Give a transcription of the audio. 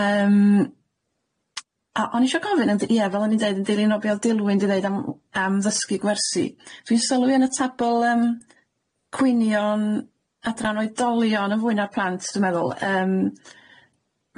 yym a o'n i isio gofyn ond ie fel o'n i'n deud yn dilyn o be' o'dd Dilwyn di ddeud am am ddysgu gwersi dwi'n sylwi yn y tabl yym cwynion adran oedolion yn fwy na'r plant dwi'n meddwl yym